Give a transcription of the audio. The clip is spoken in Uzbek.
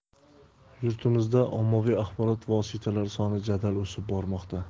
yurtimizda ommaviy axborot vositalari soni jadal o'sib bormoqda